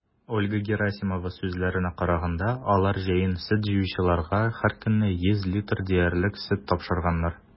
Ольга Герасимова сүзләренә караганда, алар җәен сөт җыючыларга һәркөнне 100 литр диярлек сөт тапшырганнар.